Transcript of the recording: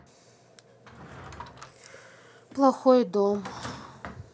плохой дом